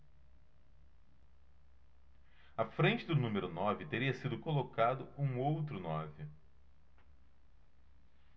à frente do número nove teria sido colocado um outro nove